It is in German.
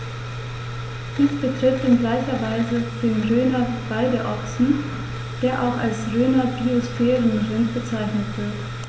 Dies betrifft in gleicher Weise den Rhöner Weideochsen, der auch als Rhöner Biosphärenrind bezeichnet wird.